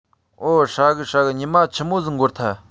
འོ ཧྲ གི ཧྲ གི ཉི མ ཆི མོ ཟིག འགོར ཐལ